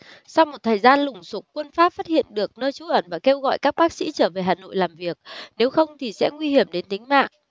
sau một thời gian lùng sục quân pháp phát hiện được nơi trú ẩn và kêu gọi các bác sĩ trở về hà nội làm việc nếu không thì sẽ nguy hiểm đến tính mạng